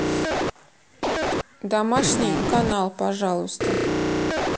домашний канал пожалуйста